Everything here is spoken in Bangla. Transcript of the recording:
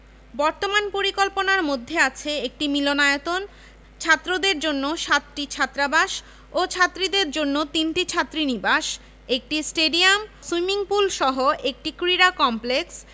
বর্তমান পরিকল্পনার মধ্যে আছে একটি মিলনায়তন ছাত্রদের জন্য সাতটি ছাত্রাবাস ও ছাত্রীদের জন্য তিনটি ছাত্রীনিবাস একটি স্টেডিয়াম সুইমিং পুলসহ একটি ক্রীড়া কমপ্লেক্স